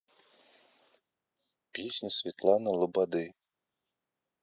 песни светланы лободы